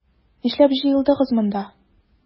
Нишләп җыелдыгыз монда?